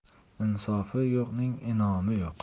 insofi yo'qning imoni yo'q